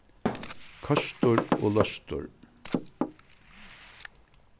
køstur og løstur